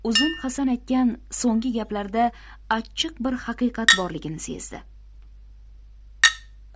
uzun hasan aytgan so'nggi gaplarda achchiq bir haqiqat borligini sezdi